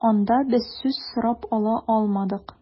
Анда без сүз сорап ала алмадык.